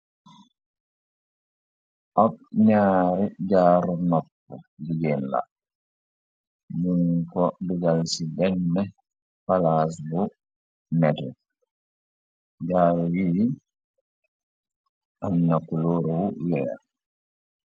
ab ñaari jaaru nopp ligéen la mun ko dugal ci denn palaas bu mete jaaru yi yi am na ku lóoruwu weer